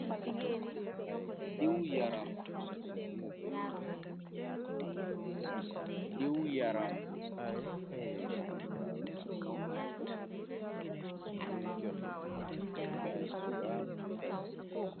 Diiwu yaram, diiwu yaram.